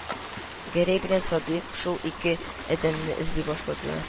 Гәрәй белән Садыйк шул ике адәмне эзли башладылар